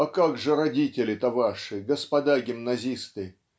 А как же родители-то ваши, господа гимназисты!